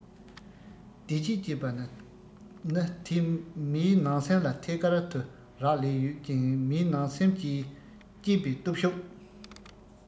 བདེ སྐྱིད ཅེས པ ནི དེ མིའི ནང སེམས ལ ཐད ཀར དུ རག ལས ཡོད ཅིང མིའི ནང སེམས ཀྱིས བསྐྱེད པའི སྟོབས ཤུགས